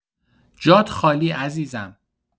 جات خالی عزیزم